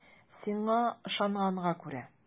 Сиңа ышанганга күрә.